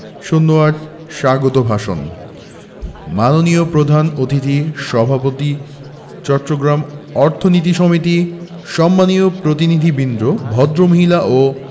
০৮ স্বাগত ভাষণ মাননীয় প্রধান অতিথি সভাপতি চট্টগ্রাম অর্থনীতি সমিতি সম্মানীয় প্রতিনিধিবৃন্দ ভদ্রমহিলা ও